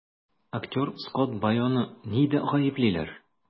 Актер Скотт Байоны нидә гаеплиләр?